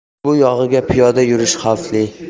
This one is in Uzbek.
bu yog'iga piyoda yurish xavfli